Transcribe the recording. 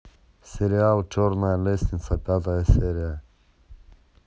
сериал черная лестница пятая серия